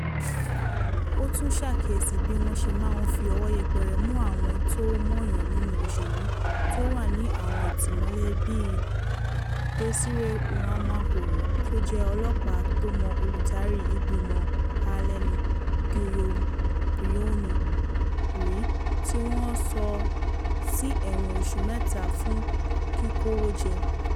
Ó tún ṣàkíyèsí bí wọn ṣe maá ń fi ọwọ́ yẹpẹrẹ mú àwọn tó mọ́ọ̀yàn nínú òṣèlú tó wà ní àwọn ìtìmọ́lé bìi Désiré Uwamahoro tó jẹ́ ọlọ́pàá tó mọ Olùdarí Ìgbìmọ̀ Alain Guillaume Bunyoni rí — tí wọ́n sọ sí ẹ̀wọ̀n oṣù mẹ́tà fún kíkówó jẹ.